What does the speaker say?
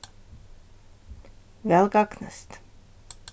væl gagnist